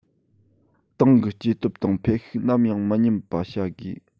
ཏང གི སྐྱེ སྟོབས དང འཕེལ ཤུགས ནམ ཡང མི ཉམས པ བྱ དགོས